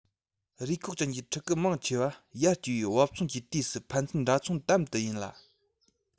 རུས སྐོགས ཅན གྱི ཕྲུ གུ མང ཆེ བ ཡར སྐྱེ བའི བབ མཚུངས ཀྱི དུས སུ ཕན ཚུན འདྲ མཚུངས དམ དུ ཡིན ལ